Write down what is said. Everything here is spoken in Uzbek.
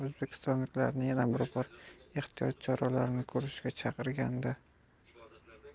o'zbekistonliklarni yana bir bor ehtiyot choralarini ko'rishga chaqirgandi